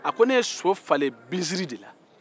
a ko ne ye so falen binsiri de la